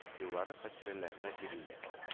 Еллары хатирәләренә бирелде